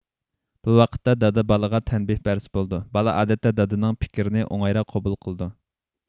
بۇ ۋاقىتتا دادا بالىغا تەنبىھ بەرسە بولىدۇ بالا ئادەتتە دادىنىڭ پىكرىنى ئوڭايراق قوبۇل قىلىدۇ